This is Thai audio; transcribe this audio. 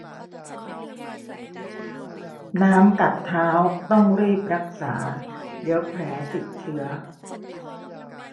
น้ำกัดเท้าต้องรีบรักษาเดี๋ยวแผลติดเชื้อ